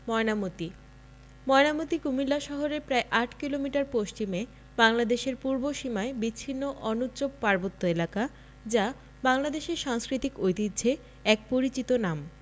ময়নামতী ময়নামতী কুমিল্লা শহরের প্রায় ৮ কিলোমিটার পশ্চিমে বাংলাদেশের পূর্ব সীমায় বিচ্ছিন্ন অনুচ্চ পার্বত্য এলাকা যা বাংলার সাংস্কৃতিক ঐতিহ্যে এক পরিচিত নাম